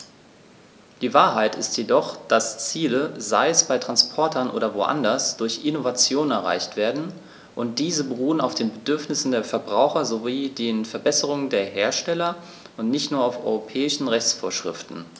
Die Wahrheit ist jedoch, dass Ziele, sei es bei Transportern oder woanders, durch Innovationen erreicht werden, und diese beruhen auf den Bedürfnissen der Verbraucher sowie den Verbesserungen der Hersteller und nicht nur auf europäischen Rechtsvorschriften.